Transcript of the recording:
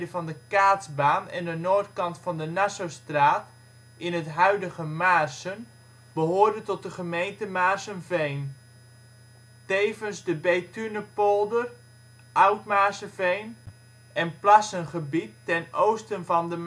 van de Kaatsbaan en de noordkant van de Nassaustraat in het huidige Maarssen behoorde tot de gemeente Maarssenveen, tevens de Bethunepolder, Oud-Maarsseveen, en plassen gebied ten oosten van de